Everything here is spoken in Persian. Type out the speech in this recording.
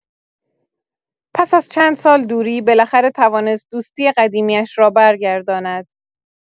پس از چند سال دوری، بالاخره توانست دوستی قدیمی‌اش را برگرداند.